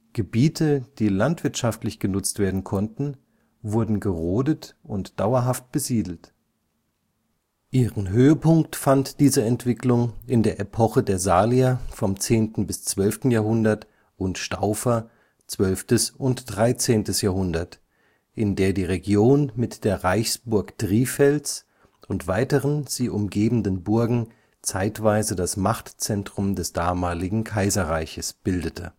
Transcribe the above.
Gebiete, die landwirtschaftlich genutzt werden konnten, wurden gerodet und dauerhaft besiedelt. Ihren Höhepunkt fand diese Entwicklung in der Epoche der Salier (10. bis 12. Jahrhundert) und Staufer (12. und 13. Jahrhundert), in der die Region mit der Reichsburg Trifels und weiteren, sie umgebenden Burgen zeitweise das Machtzentrum des damaligen Kaiserreiches bildete